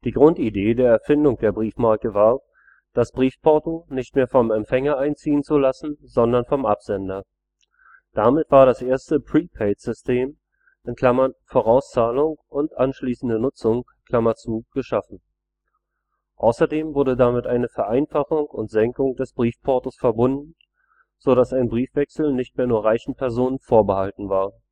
Grundidee der Erfindung der Briefmarke war, das Briefporto nicht mehr vom Empfänger einziehen zu lassen, sondern vom Absender. Damit war das erste „ Prepaid-System “(Vorauszahlung und anschließende Nutzung) geschaffen. Außerdem wurde damit eine Vereinfachung und Senkung des Briefportos verbunden, so dass ein Briefwechsel nicht mehr nur reichen Personen vorbehalten war